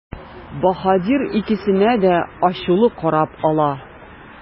Баһадир икесенә дә ачулы карап ала.